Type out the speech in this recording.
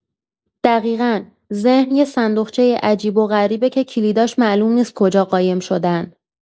دقیقا، ذهن یه صندوقچۀ عجیب و غریبه که کلیداش معلوم نیست کجا قایم شدن.